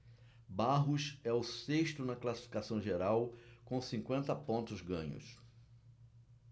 barros é o sexto na classificação geral com cinquenta pontos ganhos